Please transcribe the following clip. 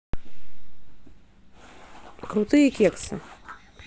крутые кексы